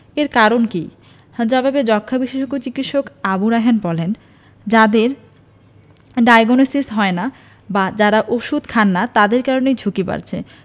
এর কারণ কী জবাবে যক্ষ্মা বিশেষজ্ঞ চিকিৎসক আবু রায়হান বলেন যাদের ডায়াগনসিস হয় না বা যারা ওষুধ খান না তাদের কারণেই ঝুঁকি বাড়ছে